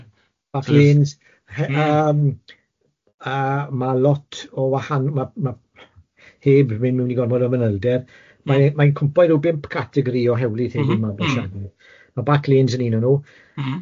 Ie yym Backlanes ie yym yy a ma' lot o wahan- ma ma heb mynd mewn i gormod o manylder, mae e mae'n cwmpo i ryw bump categri o hewlydd heddiw... M-hm. ...ma'r bwysiadau, ma' Backlanes yn un o nhw... M-hm.